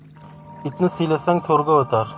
itni siylasang to'rga o'tar